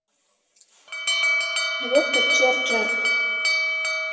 ветка черджер